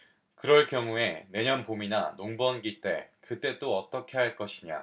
그럴 경우에 내년 봄이나 농번기 때 그때 또 어떻게 할 것이냐